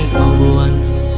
màu buồn